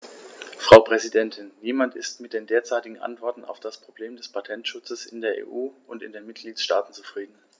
Frau Präsidentin, niemand ist mit den derzeitigen Antworten auf das Problem des Patentschutzes in der EU und in den Mitgliedstaaten zufrieden.